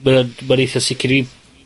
Mae o'n, ma'n eitha sicir i